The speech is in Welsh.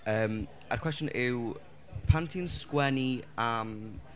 Yym, a'r cwestiwn yw, pan ti'n sgwennu am...